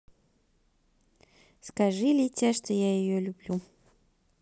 скажи лития что я ее люблю